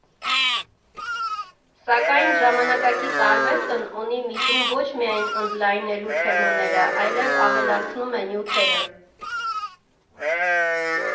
Սակայն ժամանակակից արվեստն ունի միտում ոչ միայն ընդլայնելու թեմաները, այլև ավելացնում է նյութերը։